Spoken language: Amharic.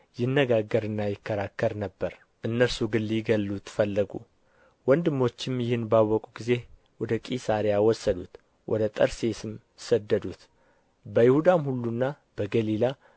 ይነጋገርና ይከራከር ነበር እነርሱ ግን ሊገድሉት ፈለጉ ወንድሞችም ይህን ባወቁ ጊዜ ወደ ቂሣርያ ወሰዱት ወደ ጠርሴስም ሰደዱት በይሁዳም ሁሉና በገሊላ